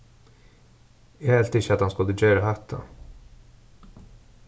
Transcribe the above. eg helt ikki at hann skuldi gera hatta